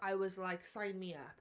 I was like, sign me up.